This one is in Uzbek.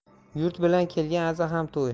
yurt bilan kelgan aza ham to'y